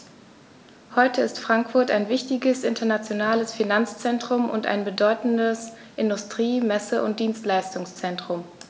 Heute ist Frankfurt ein wichtiges, internationales Finanzzentrum und ein bedeutendes Industrie-, Messe- und Dienstleistungszentrum.